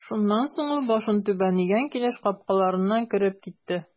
Шуннан соң ул башын түбән игән килеш капкаларыннан кереп китте.